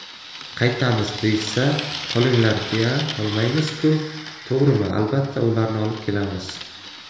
qaytamiz deyishsa qolinglar deya olmaymiz ku to'g'rimi albatta ularni olib kelamiz